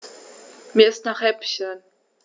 Mir ist nach Häppchen.